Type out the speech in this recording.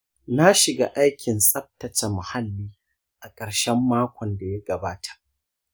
na shiga aikin tsaftace muhalli a ƙarshen makon da ya gabata.